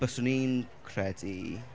byswn i'n credu...